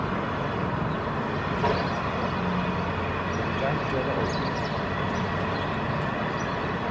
eg vil gjarna gera tað ordiligt